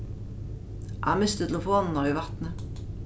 hann misti telefonina í vatnið